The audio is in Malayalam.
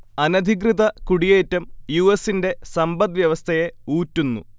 അനധികൃത കുടിയേറ്റം യു. എസിന്റെ സമ്പദ് വ്യവസ്ഥയെ ഊറ്റുന്നു